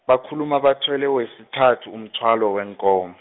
bakhuluma bathwele wesithathu umthwalo weenkomo.